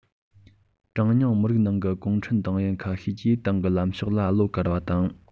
གྲངས ཉུང མི རིགས ནང གི གུང ཁྲན ཏང ཡོན ཁ ཤས ནི ཏང གི ལམ ཕྱོགས ལ བློ དཀར བ དང